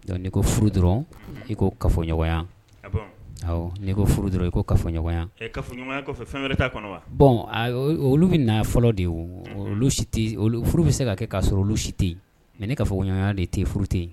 Donc n' i ko furu dɔrɔn i ko kafo ɲɔgɔnya. Ah bon Awɔ. N'i ko furu dɔrɔn i ko kafo ɲɔgɔnya kɔnɔ. Ɛ kafo ɲɔgɔnya kɔfɛ fɛn wɛrɛ t'a kɔnɔ wa. Bon a, o, olu bɛ na fɔlɔ de o, olu si tɛ; furu bɛ se ka kɛ k'a sɔrɔ olu si tɛ yen mais ni kafo ɲɔgɔnya de tɛ yen furu tɛ yen.